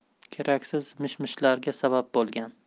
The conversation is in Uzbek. keraksiz mish mishlarga sabab bo'lgan